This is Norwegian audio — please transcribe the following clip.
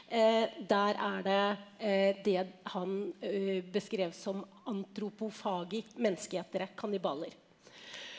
der er det det han beskrev som menneskeetere, kannibaler.